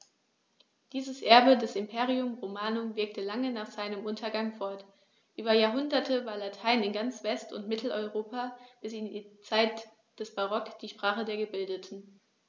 Dieses Erbe des Imperium Romanum wirkte lange nach seinem Untergang fort: Über Jahrhunderte war Latein in ganz West- und Mitteleuropa bis in die Zeit des Barock die Sprache der Gebildeten.